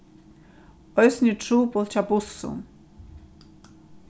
eisini er trupult hjá bussum